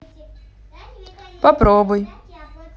попробуй